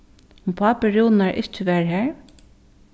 um pápi rúnar ikki var har